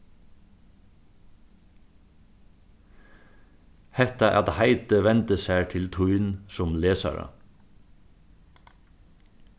hetta at heitið vendir sær til tín sum lesara